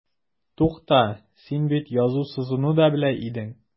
Тукта, син бит язу-сызуны да белә идең.